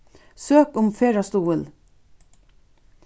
søk um ferðastuðul